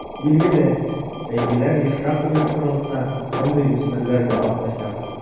Билгеле, бәйгеләр ешрак оештырылса, мондый үсмерләр дә артачак.